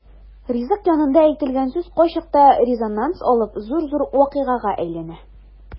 Ризык янында әйтелгән сүз кайчакта резонанс алып зур-зур вакыйгага әйләнә.